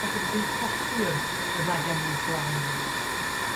falle bo' chi'n colli'r y ragene blaen yna,